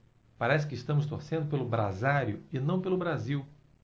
parece que estamos torcendo pelo brasário e não pelo brasil